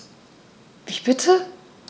Wie bitte?